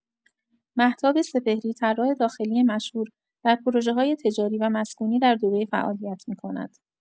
مهتاب سپهری، طراح داخلی مشهور، در پروژه‌های تجاری و مسکونی در دبی فعالیت می‌کند.